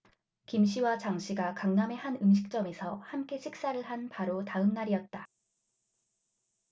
김 씨와 장 씨가 강남의 한 음식점에서 함께 식사를 한 바로 다음 날이었다